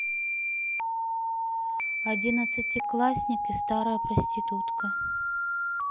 одиннацатиклассник и старая проститутка